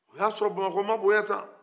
o y'a sɔrɔ bamakɔ ma bonya tan